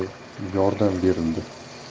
egasiga yordam berildi